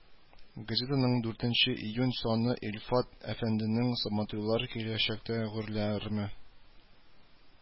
Газетаның дүртенче июнь саны Илфат әфәнденең Сабантуйлар киләчәктә гөрләрме